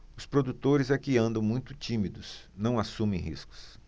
os produtores é que andam muito tímidos não assumem riscos